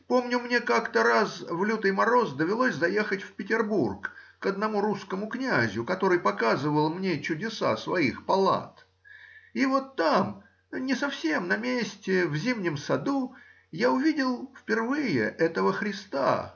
Помню, мне как-то раз, в лютый мороз, довелось заехать в Петербурге к одному русскому князю, который показывал мне чудеса своих палат, и вот там, не совсем на месте — в зимнем саду, я увидел впервые этого Христа.